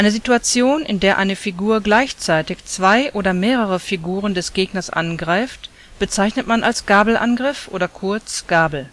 Situation, in der eine Figur gleichzeitig zwei oder mehrere Figuren des Gegners angreift, bezeichnet man als Gabelangriff oder kurz Gabel